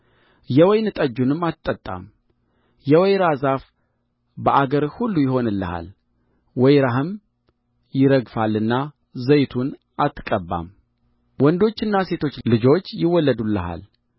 የወይን ጠጁንም አትጠጣም የወይራ ዛፍ በአገርህ ሁሉ ይሆንልሃል ወይራህም ይረግፋልና ዘይቱን አትቀባም ወንዶችና ሴቶች ልጆች ይወለዱልሃል